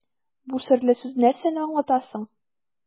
Бу серле сүз нәрсәне аңлата соң?